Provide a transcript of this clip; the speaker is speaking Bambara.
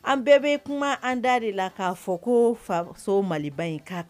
An bɛɛ be kuma an da de la k'a fɔ koo faf so Maliba in k'a